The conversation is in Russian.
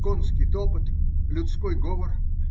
Конский топот, людской говор.